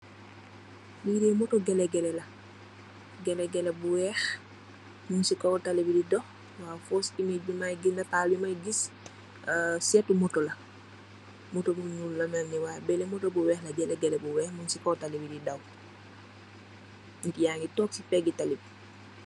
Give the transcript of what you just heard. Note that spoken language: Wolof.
Lii Dee moto gëlë gëlë la, gëlë gëlë bu weex, mu ngee daw si kow tali bi. Foos imeege bi maay gis, li maay gis, seetu moto la. Moto bu ñuul la melni, waay bëlé moto bu weex la, gëlë gëlë bu weex, muñ si moto bi di daw.